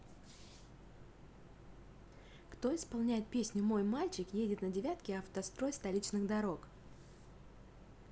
кто исполняет песню мой мальчик едет на девятке автострой столичных дорог